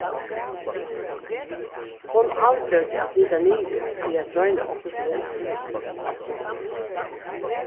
hon avgjørdi at flyta niður fyri at royna okkurt nýtt